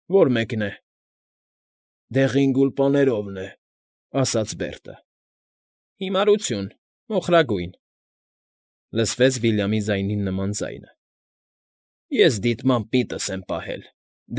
Ո՞ր մեկն է նա։ ֊ Դեղին գուլպաներովն է,֊ ասաց Բերտը։ ֊ Հիմարություն, մոխարգույն,֊ լսվեց Վիլյամի ձայնին նման ձայնը։ ֊ Ես դիտմամբ միտս եմ պահել՝